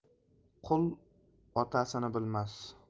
qui otasini bilmas